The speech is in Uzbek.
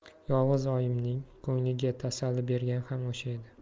yolg'iz oyimning ko'ngliga tasalli bergan ham o'sha edi